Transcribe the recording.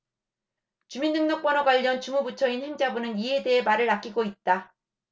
주민등록번호 관련 주무 부처인 행자부는 이에 대해 말을 아끼고 있다